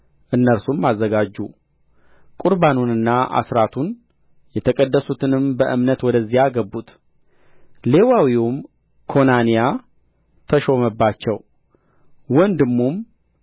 እነርሱም አዘጋጁ ቍርባኑና አሥራቱን የተቀደሱትንም በእምነት ወደዚያ አገቡት ሌዋዊውም ኮናንያ ተሾመባቸው ወንድሙም